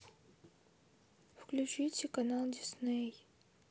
включите канал дисней